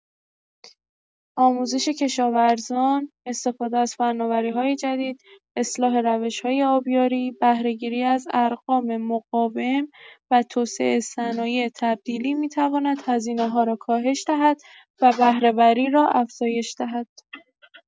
آموزش کشاورزان، استفاده از فناوری‌های جدید، اصلاح روش‌های آبیاری، بهره‌گیری از ارقام مقاوم و توسعه صنایع تبدیلی می‌تواند هزینه‌ها را کاهش دهد و بهره‌وری را افزایش دهد.